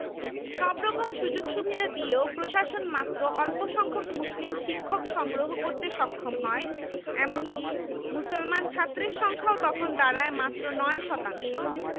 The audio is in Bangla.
সব রকম সুযোগসুবিধা দিয়েও প্রশাসন মাত্র অল্পসংখ্যক মুসলিম শিক্ষক সংগ্রহ করতে সক্ষম হয় এমনকি মুসলমান ছাত্রের সংখ্যাও তখন দাঁড়ায় মাত্র ৯ শতাংশ